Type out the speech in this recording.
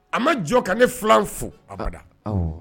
A ma jɔ ka ne filan fobada